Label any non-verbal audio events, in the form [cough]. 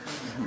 [hesitation] [hesitation]